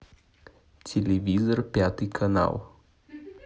телевизор пятый канал